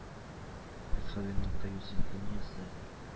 Бетховенның кыю симфониясе